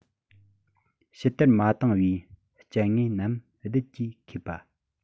ཕྱི བདར མ བཏང བའི སྤྱད དངོས རྣམས རྡུལ གྱིས ཁེབས པ